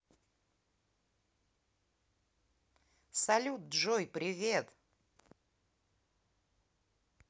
салют джой привет